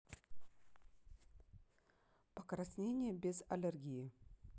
покраснения без аллергии